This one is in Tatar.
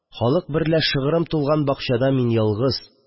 Халык берлә шыгрым тулган бакчада мин ялгыз